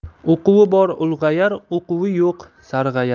o'quvi bor ulg'ayar uquvi yo'q sarg'ayar